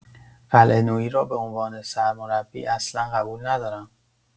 قلعه‌نویی را به عنوان مربی اصلن قبول ندارم.